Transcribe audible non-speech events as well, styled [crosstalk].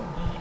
[breath] [hesitation] [hesitation]